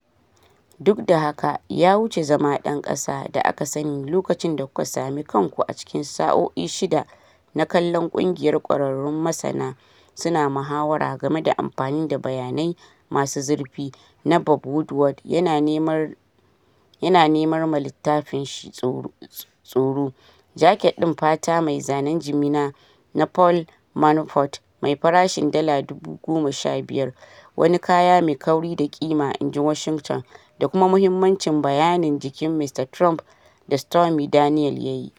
"Duk da haka, ya wuce zama ɗan ƙasa da aka sani lokacin da kuka sami kanku a cikin sa'o'i shida na kallon ƙungiyar ƙwararrun masana suna muhawara game da amfani da “bayanai masu zurfi” na Bob Woodward yana nemar ma littafin shi “Tsoro,” Jaket ɗin fata mai zanen jimina na Paul Manafort mai farashin dala 15,000 (“wani kaya mai kauri da kima,” in ji Washington) da kuma muhimmancin bayanin jikin Mr Trump da Stormy Daniel ya yi.